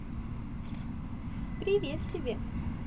привет тебе